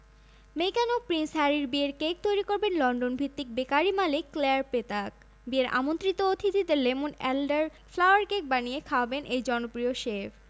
মেগান ও প্রিন্স হ্যারির বিয়ের কেক তৈরি করবেন লন্ডনভিত্তিক বেকারি মালিক ক্লেয়ার পেতাক বিয়ের আমন্ত্রিত অতিথিদের লেমন এলডার ফ্লাওয়ার কেক বানিয়ে খাওয়াবেন এই জনপ্রিয় শেফ